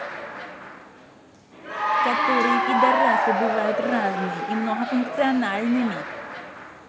которые пидарасы бывают разные и многофункциональными